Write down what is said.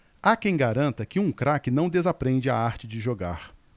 há quem garanta que um craque não desaprende a arte de jogar